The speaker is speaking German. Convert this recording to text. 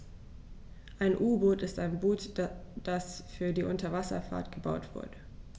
Ein U-Boot ist ein Boot, das für die Unterwasserfahrt gebaut wurde.